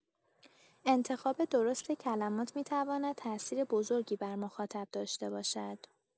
انتخاب درست کلمات می‌تواند تاثیر بزرگی بر مخاطب داشته باشد.